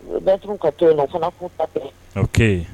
Bɛɛ taar'u ka tɔn na, o fana k'u ta créer ; Ok